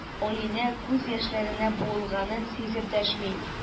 Алинә күз яшьләренә буылганын сизеп дәшми.